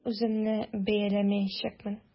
Мин үземне бәяләмәячәкмен.